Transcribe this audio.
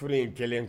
Furu in kɛlen